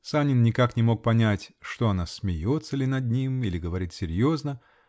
Санин никак не мог понять, что она -- смеется ли над ним или говорит серьезно?